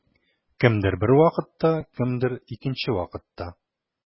Кемдер бер вакытта, кемдер икенче вакытта.